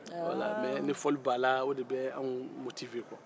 wala ni fɔli b'a la o de b'anw motive quoi